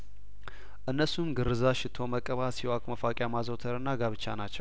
እነሱም ግርዛት ሽቶ መቀባት ሲዋክ መፋ ቂያማዘውተርና ጋብቻ ናቸው